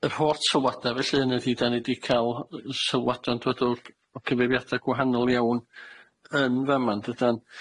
yy yr holl sylwada. Felly hynny ydi 'dan ni 'di ca'l yy sylwada'n dŵad o o gyfeiriada gwahanol iawn yn fa'ma, yn dydan?